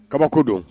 Kabako don